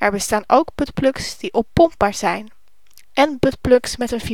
bestaan ook buttplugs die oppompbaar zijn, en buttplugs met een vibratorfunctie